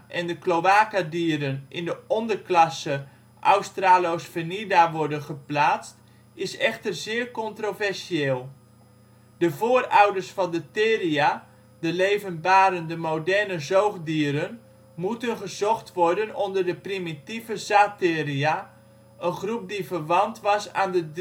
en de cloacadieren in de onderklasse Australosphenida worden geplaatst, is echter zeer controversieel. De voorouders van de Theria, de levendbarende (moderne) zoogdieren, moeten gezocht worden onder de primitieve Zatheria, een groep die verwant was aan de